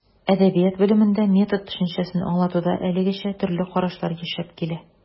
Әдәбият белемендә метод төшенчәсен аңлатуда әлегәчә төрле карашлар яшәп килә.